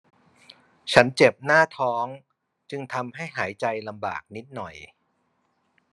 ฉันเจ็บหน้าท้องจึงทำให้หายใจลำบากนิดหน่อย